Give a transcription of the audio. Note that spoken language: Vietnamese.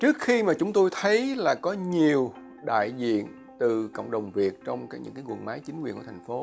trước khi mà chúng tôi thấy là có nhiều đại diện từ cộng đồng việt trong cái guồng máy chính quyền của thành phố